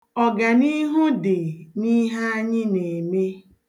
Ọganihu dị n'ihe anyị na-eme.